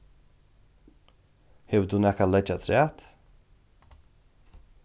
hevur tú nakað at leggja afturat